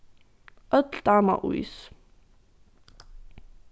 øll dáma ís